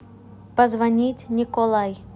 позвонить николай